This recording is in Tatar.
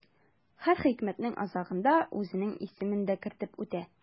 Һәр хикмәтнең азагында үзенең исемен дә кертеп үтә.